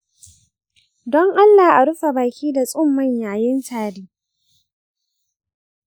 don allah a rufe baki da tsunman yayin tari.